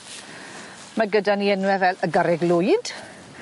Ma' gyda ni enwe fel y Garreg Lwyd.